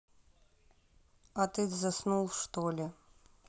а ты заснул что ли